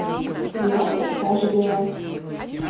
дела как сажа бела